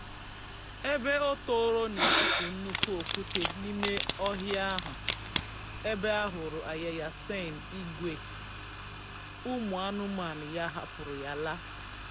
Ebe ọ tọrọ n'etiti nnukwu okwute n'ime ọhịa ahụ ebe a hụrụ Ayeyar Sein, ìgwè ụmụanụmanụ ya hapụrụ ya laa.